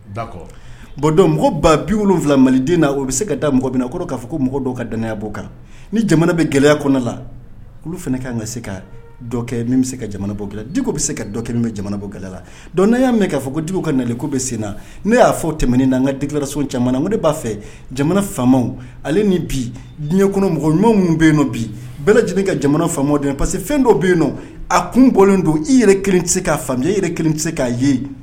Bɔn dɔn mɔgɔ ba bifila maliden na o bɛ se ka da mɔgɔ min na kɔrɔ k'a fɔ ko mɔgɔ dɔw ka daya bɔ kan ni jamana bɛ gɛlɛya kɔnɔ olu fana' ka se ka dɔ kɛ min bɛ se ka jamana bɔ gɛlɛn di bɛ se ka dɔ kelen bɛ jamana bɔ gɛlɛya la dɔn n'a y'a mɛn k'a ko di ka nale ko bɛ sen na ne y'a fɔ o tɛmɛn n na'an kakiraso caman ko ne b'a fɛ jamana famaw ale ni bi diɲɛ kɔnɔ mɔgɔ ɲɔn bɛ yen nɔ bi bɛɛ lajɛlen ka jamana fama pa que fɛn dɔ bɛ yen n nɔ a kun bɔlen don i yɛrɛ kelen tɛ se k'a faamuyami e yɛrɛ kelen tɛ se k'a ye